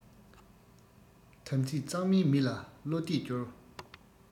དམ ཚིག གཙང མའི མི ལ བློ གཏད བཅོལ